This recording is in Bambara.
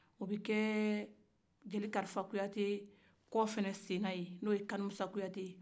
o bɛ kɛ jeli karifa kuyate kɔ sen n'o ye kanimusa kuyate